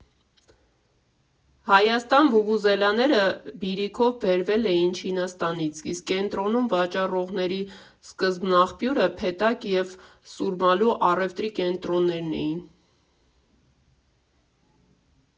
Հայաստան վուվուզելաները «բիրիքով» բերվել էին Չինաստանից, իսկ կենտրոնում վաճառողների սկզբնաղբյուրը «Փեթակ» և «Սուրմալու» առևտրի կենտրոններն էին։